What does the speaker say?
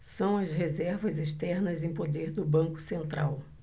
são as reservas externas em poder do banco central